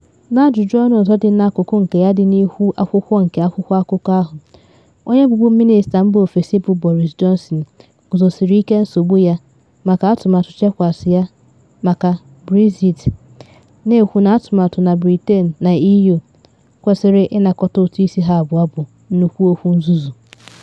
N’ajụjụ ọnụ ọzọ dị n’akụkụ nke ya dị n’ihu akwụkwọ nke akwụkwọ akụkọ ahụ, onye bubu minista mba ofesi bụ Boris Johnson guzosiri ike nsogbu ya maka atụmatụ Chequers ya maka Brexit, na ekwu na atụmatụ na Britain na EU kwesịrị ịnakọta ụtụ isi ha abụọ bụ “nnukwu okwu nzuzu.”